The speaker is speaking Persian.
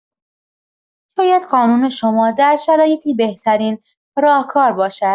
شاید قانون شما در شرایطی بهترین راهکار باشد.